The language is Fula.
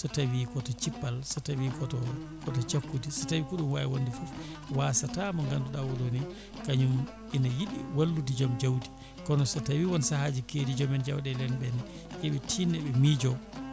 so tawi koto cippal so tawi koto koto cakkudi so tawi ko ɗum wawi wonde foof wasata mo ganduɗa oɗo ni kañum ene yiiɗi wallude joom jawdi kono so tawi won saahaji keedi joomen jawɗele en ɓene yooɓe tinno ɓe miijo